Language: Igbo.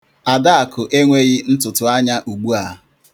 Adakụ enweghị ntụ̀tụ̀anya ugbua.